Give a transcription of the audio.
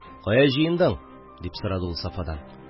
Кая җыендың? – дип сорады ул Сафадан.